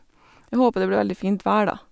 Jeg håper det blir veldig fint vær, da.